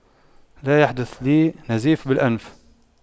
لا يحدث لي نزيف بالأنف